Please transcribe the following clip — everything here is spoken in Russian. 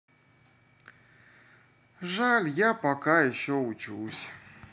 жаль я пока еще учусь